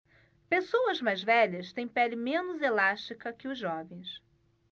pessoas mais velhas têm pele menos elástica que os jovens